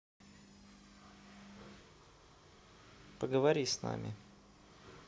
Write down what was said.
поговори с нами